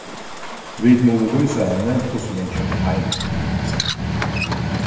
vit mugu vísa henni hvussu hon kemur heim